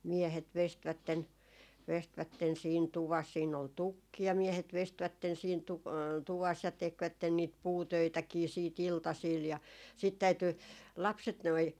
miehet veistivät veistivät siinä tuvassa siinä oli tukki ja miehet veistivät siinä - tuvassa ja tekivät niitä puutöitäkin sitten iltasilla ja sitten täytyi lapset noin